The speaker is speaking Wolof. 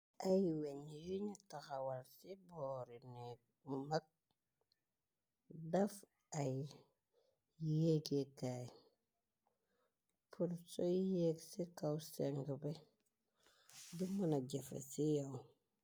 Ay weñ yu ñu tahawal ci boori neeg mu mag, def ay yéegeekaay pur soy yeeg ci kaw seng be di mëna jafe ci yaw.